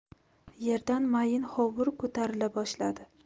yerdan mayin hovur ko'tarila boshladi